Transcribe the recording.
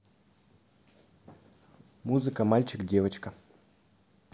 музыка мальчик девочка